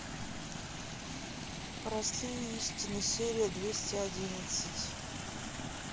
простые истины серия двести одиннадцать